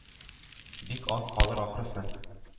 Бик аз калыр, ахрысы.